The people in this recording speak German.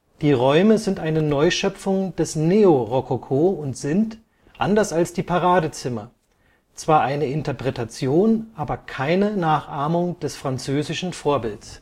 Die Räume sind eine Neuschöpfung des Neorokoko und sind, anders als die Paradezimmer, zwar eine Interpretation, aber keine Nachahmung des französischen Vorbilds